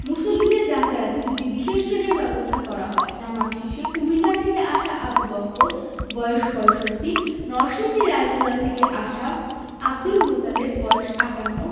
মুসল্লিদের যাতায়াতে দুটি বিশেষ ট্রেনের ব্যবস্থা করা হয় নামাজ শেষে কুমিল্লা থেকে আসা আবু বক্কর বয়স ৬৫ নরসিংদী রায়পুরা থেকে আসা আবদুল মোতালেব বয়স ৫৮